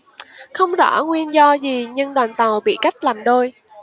không rõ nguyên do gì nhưng đoàn tàu bị cắt làm đôi